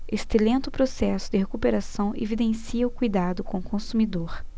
este lento processo de recuperação evidencia o cuidado com o consumidor